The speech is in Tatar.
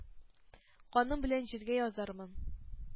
Каным белән җиргә язармын».